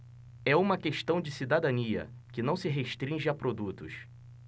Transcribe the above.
é uma questão de cidadania que não se restringe a produtos